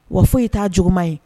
Wa foyi taa juguman ye